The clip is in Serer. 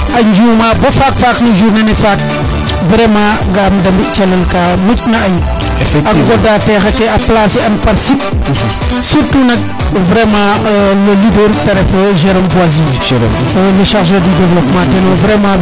a njuma bo faak faak no journée ne faak vraiment ga am de mbi calel ka muc na ay a ngoda texa ke a placer an par sit surtout nak vraiment le leaders te ref Jerom boisie Jerom Boisie le chargeur du developpement teno vraiment